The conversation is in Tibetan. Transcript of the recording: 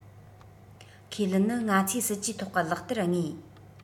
ཁས ལེན ནི ང ཚོའི སྲིད ཇུས ཐོག གི ལག བསྟར དངོས